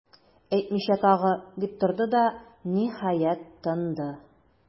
Әйтмичә тагы,- дип торды да, ниһаять, тынды.